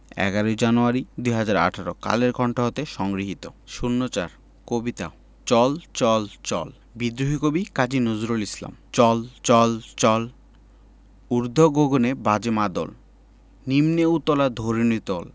১১ জানুয়ারি ২০১৮ কালের কন্ঠ হতে সংগৃহীত ০৪ কবিতা চল চল চল বিদ্রোহী কবি কাজী নজরুল ইসলাম চল চল চল ঊর্ধ্ব গগনে বাজে মাদল নিম্নে উতলা ধরণি তল